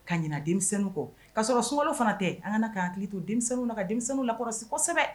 Ka ɲin denmisɛnninw kɔ ka sɔrɔ sunlo fana tɛ an ka k'a hakili ki to denmisɛnninw na ka denmisɛnninw la kɔrɔ kosɛbɛ